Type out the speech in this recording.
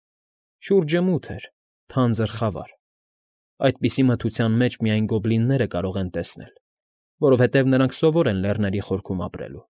Շուրջը մութ էր, թանձր խավար, այդպիսի մթության մեջ միայն գոբլինները կարող են տեսնել, որովհետև նրանք սովոր են լեռների խորքում ապրել։